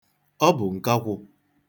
Ọ bụ nkakwụ.